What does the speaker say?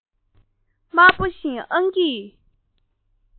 དམར པོ བཞིན ཨང ཀིས